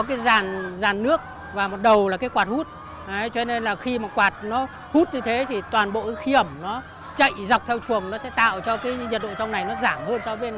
có cái dàn dàn nước và một đầu là cái quạt hút ấy cho nên là khi mà quạt nó hút như thế thì toàn bộ cái khí ẩm nó chạy dọc theo chuồng nó sẽ tạo cho cái nhiệt độ trong này nó giảm hơn so với